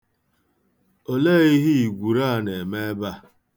Olee ihe igwuru a na-eme ebe a?